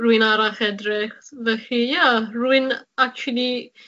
rywu'n arall edrych felly ie, rwy'n actually